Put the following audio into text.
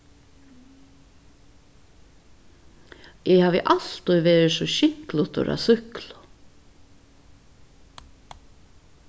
eg havi altíð verið so skinklutur á súkklu